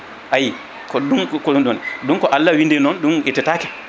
ayi ko ɗum ko ɗum ɗon ɗum ko Allah windiri noon ɗum ittetaka